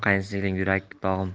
qaynsinglim yurak dog'im